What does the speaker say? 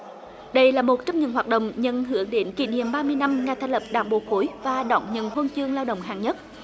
đây là một trong những hoạt động nhân hướng đến kỷ niệm ba mươi năm ngày thành lập đảng bộ khối và đón nhận huân chương lao động hạng nhất